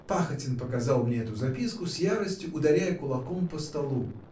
Пахотин показал мне эту записку, с яростью ударяя кулаком по столу: